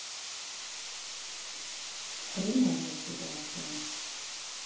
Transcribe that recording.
хреновая интуиция